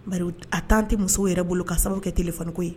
a temps tɛ musow yɛrɛ bolo ka sababu kɛ téléphone ko ye.